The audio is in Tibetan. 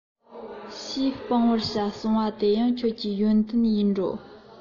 ཞེས སྤང བྱར གསུངས པ དེ ཡང ཁྱོད ཀྱི ཡོན ཏན ཡིན འགྲོ